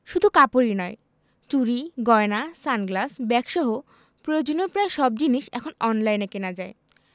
শুধু কাপড়ই নয় চুড়ি গয়না সানগ্লাস ব্যাগসহ প্রয়োজনীয় প্রায় সব জিনিস এখন অনলাইনে কেনা যায়